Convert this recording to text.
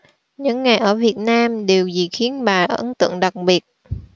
những ngày ở việt nam điều gì khiến bà có ấn tượng đặc biệt